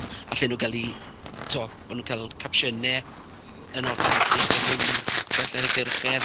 Allen nhw gael eu, timod, bod nhw'n cael capsiynau yn awtomatig er mwyn gwella hygyrchedd.